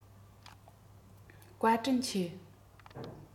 བཀའ དྲིན ཆེ